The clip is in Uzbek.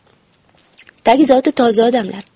tag zoti toza odamlar